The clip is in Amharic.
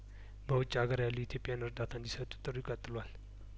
በውጭ አገር ያሉ ኢትዮጵያውያን እርዳታ እንዲሰጡ ጥሪው ቀጥሏል